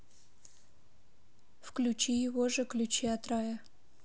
включи его же ключи от рая